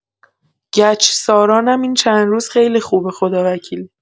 گچسارانم این چند روز خیلی خوبه خداوکیلی